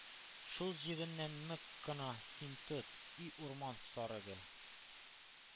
Шул җиреннән нык кына син тот, и урман сарыгы!